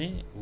lu jafe la